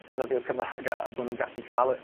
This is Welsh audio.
defnyddio'r Cymra'g a a bo' nw'n gallu ca'l y